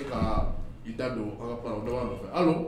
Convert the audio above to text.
Ka da don fɛ